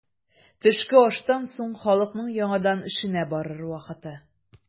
Төшке аштан соң халыкның яңадан эшенә барыр вакыты.